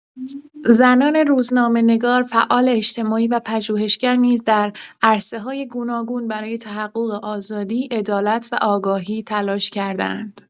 زنان روزنامه‌نگار، فعال اجتماعی و پژوهشگر نیز در عرصه‌های گوناگون برای تحقق آزادی، عدالت و آگاهی تلاش کرده‌اند.